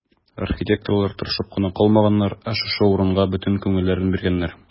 Архитекторлар тырышып кына калмаганнар, ә шушы урынга бөтен күңелләрен биргәннәр.